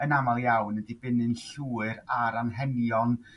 yn amal iawn yn dibynnu'n llwyr a'r an'henion